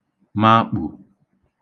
mākpù